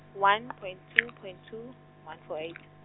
one point two point two, one four eight.